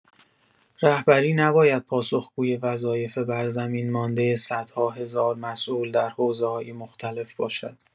رهبری نباید پاسخگوی وظایف بر زمین مانده صدها هزار مسئول در حوزه‌های مختلف باشد.